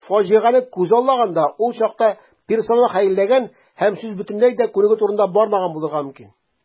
Фаҗигане күзаллаганда, ул чакта персонал хәйләләгән һәм сүз бөтенләй дә күнегү турында бармаган булырга мөмкин.